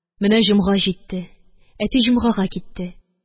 Менә җомга җитте, әти җомгага китте.